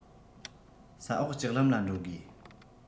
ས འོག ལྕགས ལམ ལ འགྲོ དགོས